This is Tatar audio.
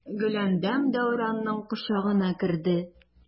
Гөләндәм Дәүранның кочагына керде.